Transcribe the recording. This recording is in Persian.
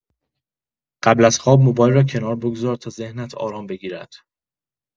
قبل از خواب موبایل را کنار بگذار تا ذهنت آرام بگیرد.